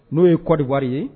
N'o ye kɔɔriwa ye